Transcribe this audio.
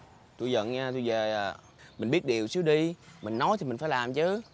tôi giận nha tôi dề à mình biết điều xíu đi mình nói thì mình phải làm chứ